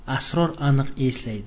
sror aniq eslaydi